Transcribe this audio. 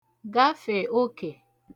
gafè okè